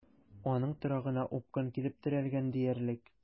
Аның торагына упкын килеп терәлгән диярлек.